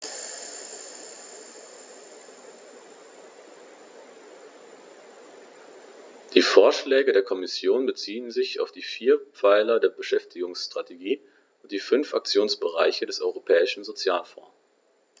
Die Vorschläge der Kommission beziehen sich auf die vier Pfeiler der Beschäftigungsstrategie und die fünf Aktionsbereiche des Europäischen Sozialfonds.